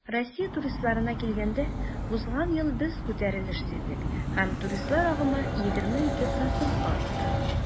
Россия туристларына килгәндә, узган ел без күтәрелеш сиздек һәм туристлар агымы 22 %-ка артты.